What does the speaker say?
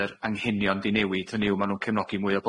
yr anghenion 'di newid hynny yw ma' nw'n cefnogi mwy o